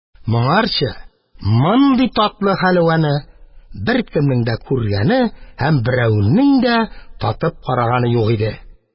Моңарчы мондый татлы хәлвәне беркемнең дә күргәне һәм берәүнең дә татып караганы юк иде.